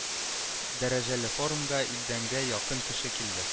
Дәрәҗәле форумга илдәнгә якын кеше килде